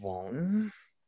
One?